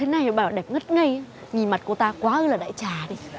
thế này mà bảo đẹp ngất ngây á nhìn mặt cô ta quá ư là đại trà đi